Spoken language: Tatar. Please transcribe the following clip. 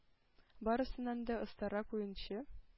Барысыннан да остарак уенчы,